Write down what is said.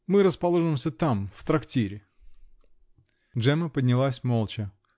Мы расположимся там, в трактире! Джемма поднялась молча